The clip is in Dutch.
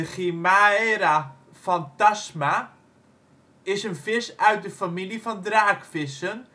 Chimaera phantasma) is een vis uit de familie van draakvissen